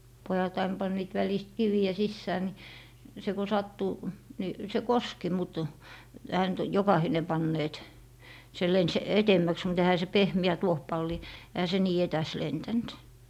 pojat aina panivat välistä kiviä sisään niin se kun sattui niin se koski mutta eihän nyt jokainen panneet se lensi edemmäksi mutta eihän se pehmeä tuohipalli eihän se niin etäs lentänyt